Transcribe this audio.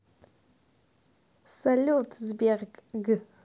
салют сбер г